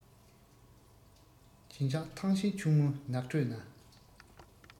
བྱིན ཆགས ཐང ཤིང ཕྱུག མོའི ནགས ཁྲོད ན